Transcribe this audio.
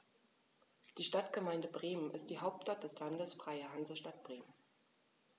Die Stadtgemeinde Bremen ist die Hauptstadt des Landes Freie Hansestadt Bremen.